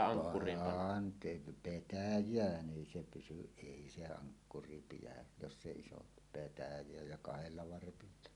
pantiin petäjään ei se pysy ei se ankkuri pidä jos se ei ole petäjää ja kahdella varpilla